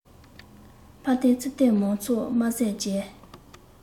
ཕར དེད ཚུར དེད མང ཚོགས དམར ཟས བཅད